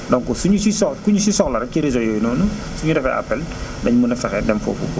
donc suñu si soxlaa ku ñu si soxla rek si résaeu yooyu noonu su énu defee appel dinañ mën a fexe dem foofu